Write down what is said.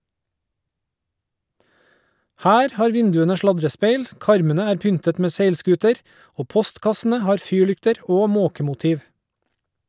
Her har vinduene sladrespeil , karmene er pyntet med seilskuter, og postkassene har fyrlykter og måkemotiv.